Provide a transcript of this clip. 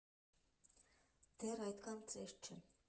Դեռ այդքան ծեր չեմ։